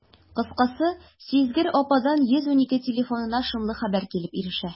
Кыскасы, сизгер ападан «112» телефонына шомлы хәбәр килеп ирешә.